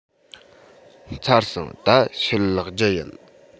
ཚར སོང ད ཕྱིར ལོག རྒྱུ ཡིན